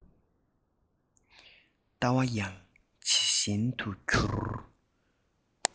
ལྟ བ ཡང ཇེ ཞན དུ གྱུར